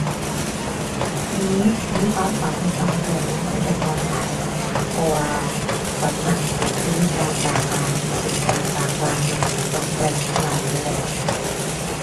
มี มีความฝันที่ต้องใช้เงินเป็นจำนวนหลาย เพราะว่าฝันนั้นใช้คือการสร้างบ้าน ซึ่งการสร้างบ้านนั้นใช้ต้องใช้เงินหลายอยู่แล้ว